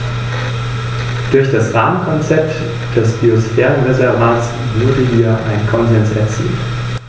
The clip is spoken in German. Im Gegensatz dazu haben Rattenigel keine Stacheln und erwecken darum einen eher Spitzmaus-ähnlichen Eindruck.